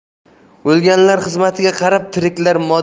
o'lganlar xizmatiga qarab tiriklar